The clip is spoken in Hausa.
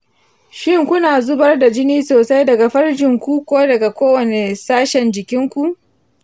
shin ku na zubar da jini sosai daga farjinku ko daga kowane sashen jikinku